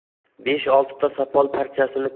besh oltita sopol parchasini